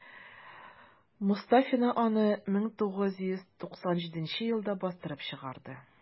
Мостафина аны 1997 елда бастырып чыгарды.